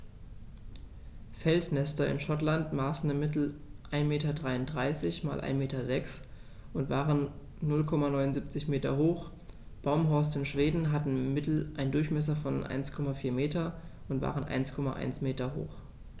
Felsnester in Schottland maßen im Mittel 1,33 m x 1,06 m und waren 0,79 m hoch, Baumhorste in Schweden hatten im Mittel einen Durchmesser von 1,4 m und waren 1,1 m hoch.